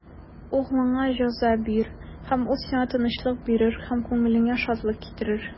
Углыңа җәза бир, һәм ул сиңа тынычлык бирер, һәм күңелеңә шатлык китерер.